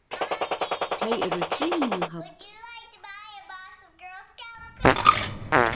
tey eru í trimum hæddum